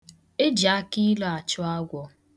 Eji akịilu achụ agwọ.